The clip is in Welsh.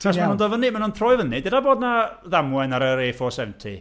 Ti'n iawn... Achos maen nhw'n dod fyny... maen nhw'n troi fyny. Deuda bod 'na ddamwain ar yr A470.